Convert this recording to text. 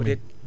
kon waaw